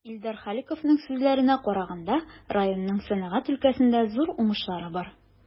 Илдар Халиковның сүзләренә караганда, районның сәнәгать өлкәсендә зур уңышлары бар.